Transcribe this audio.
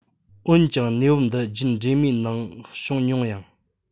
འོན ཀྱང གནས བབ འདི རྒྱུད འདྲེས མའི ནང ཡང བྱུང མྱོང ཡང